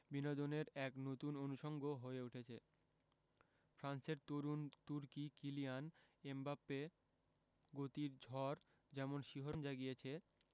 বিনোদনের এক নতুন অনুষঙ্গ হয়ে উঠেছে ফ্রান্সের তরুণ তুর্কি কিলিয়ান এমবাপ্পের গতির ঝড় যেমন শিহরণ জাগিয়েছে